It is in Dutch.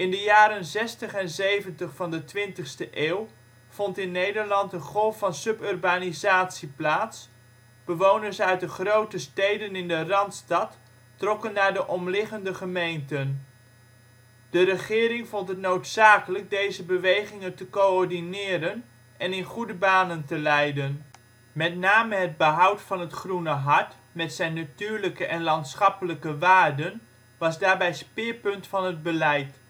de jaren ' 60 en ' 70 van de twintigste eeuw vond in Nederland een golf van suburbanisatie plaats: bewoners uit de grote steden in de Randstad trokken naar de omliggende gemeenten. De regering vond het noodzakelijk deze bewegingen te coördineren en in goede banen te leiden. Met name het behoud van het Groene Hart met zijn natuurlijke en landschappelijke waarden was daarbij speerpunt van het beleid